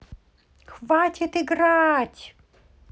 хватит играть